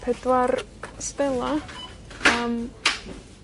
pedwar Stela am